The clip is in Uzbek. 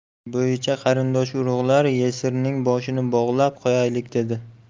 bo'yicha qarindosh urug'lar yesirning boshini bog'lab qo'yaylik dedi